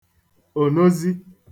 ònozi